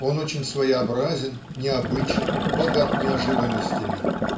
Он очень своеобразен, необычен, богат неожиданностями